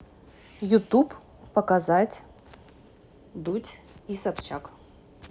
ютуб показать дудь и собчак